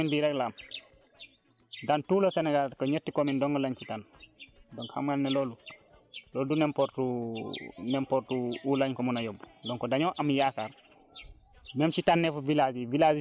parce que boo xoolee ni projet bi si région Louga bi yëpp si commune bii rek la am dans tout le Sénégal que ñetti communes dong lañ ci tànn donc xam nga ne loolu loolu du n' importe n' importe où lañ ko mun a yóbbu